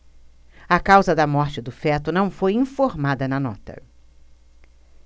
a causa da morte do feto não foi informada na nota